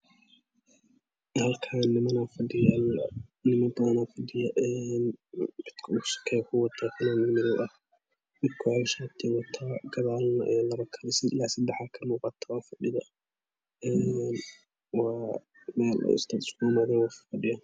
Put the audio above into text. Halkan niman paa fadhiyo niman padan midka ugu soo sakooye waxa uuwataa funand madow kan kalene shati puu waraa gadalna sadaxaa kamuuqato oo fadhido waa meel dad iskugu imadeen oo dad fadhiyo